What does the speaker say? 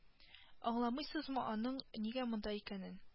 Аңламыйсызмы аның нигә монда икәнен